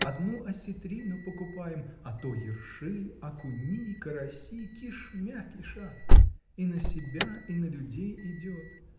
одну осетрину покупаем, а то ерши, окуни, караси кишмя-кишат и на себя и на людей идет.